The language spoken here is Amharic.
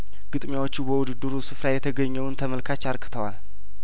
ግጥሚያዎቹ በውድድሩ ስፍራ የተገኘውን ተመልካች አርክተዋል